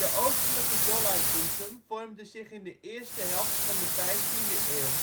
oostelijke Dollardboezem vormde zich in de eerste helft van de vijftiende eeuw